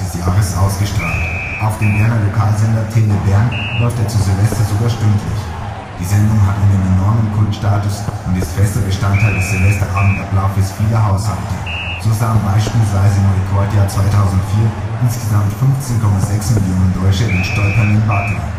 Jahres ausgestrahlt. Auf dem Berner Lokalsender Tele Bärn läuft er zu Silvester sogar stündlich. Die Sendung hat einen enormen Kultstatus und ist fester Bestandteil des Silvestertagesablaufs vieler Haushalte. So sahen beispielsweise im Rekordjahr 2004 insgesamt 15,6 Millionen Deutsche den stolpernden Butler